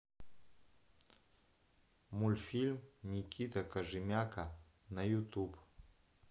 мультфильм никита кожемяка на ютуб